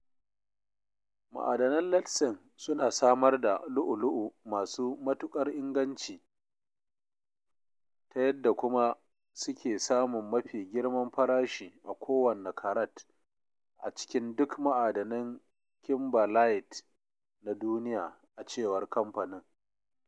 Ma’adanan Letšeng suna samar da lu’u-lu’u masu mastuƙar inganci, ta yadda kuma suke samun mafi girman farashi a kowanne karat a cikin duk ma’adinan kimberlite na duniya, a cewar kamfanin.